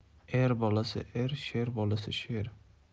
er bolasi er sher bolasi sher